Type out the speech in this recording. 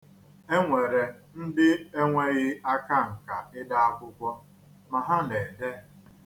E nwere ndị enweghị akanka ịde akwụkwọ, ma ha na-ede.